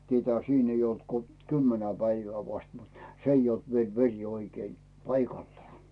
tietäähän siinä ei ollut kun kymmenen päivää vasta mutta se ei ollut vielä veri oikein paikallaan